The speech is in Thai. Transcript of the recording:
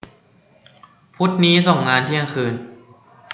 พุธนี้ส่งงานเที่ยงคืน